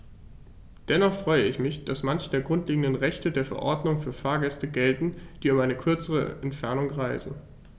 Dennoch freue ich mich, dass manche der grundlegenden Rechte der Verordnung für Fahrgäste gelten, die über eine kürzere Entfernung reisen.